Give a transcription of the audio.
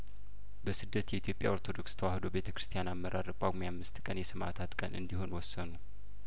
በስደት የኢትዮጵያ ኦርቶዶክስ ተዋህዶ ቤተ ክርስቲያን አመራር ጳጉሜ አምስት ቀን የሰማእታት ቀን እንዲሆን ወሰኑ